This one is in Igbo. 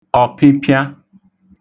ọ̀pịpịa